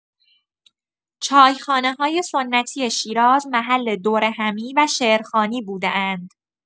چای‌خانه‌های سنتی شیراز محل دورهمی و شعرخوانی بوده‌اند.